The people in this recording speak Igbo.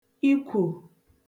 ikwò